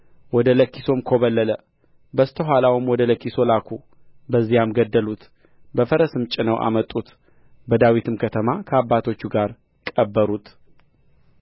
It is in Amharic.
ወደ ለኪሶም ኰበለለ በስተ ኋላውም ወደ ለኪሶ ላኩ በዚያም ገደሉት በፈረስም ጭነው አመጡት በዳዊትም ከተማ ከአባቶቹ ጋር ቀበሩት